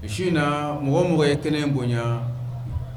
Su in na mɔgɔ mɔgɔ ye kɛnɛ bonya